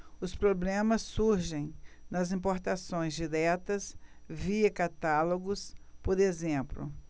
os problemas surgem nas importações diretas via catálogos por exemplo